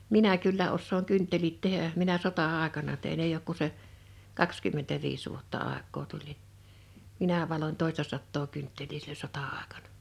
minä kyllä osaan kynttilät tehdä minä sota-aikana tein ei ole kuin se kaksikymmentäviisi vuotta aikaa tuli niin minä valoin toistasataa kynttilää silloin sota-aikana